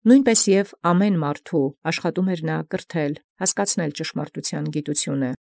Նոյնպէս և զամենայն ոգի ջանայր յերիւրել, հասուցանել ի գիտութիւն ճշմարտութեան։